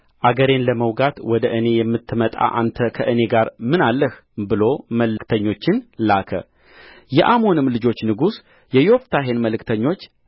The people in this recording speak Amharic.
አገሬን ለመውጋት ወደ እኔ የምትመጣ አንተ ከእኔ ጋር ምን አለህ ብሎ መልክተኞችን ላከ የአሞንም ልጆች ንጉሥ የዮፍታሔን መልክተኞች